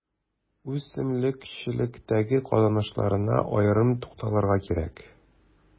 Үсемлекчелектәге казанышларына аерым тукталырга кирәк.